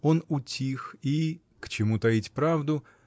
Он утих и -- к чему таить правду?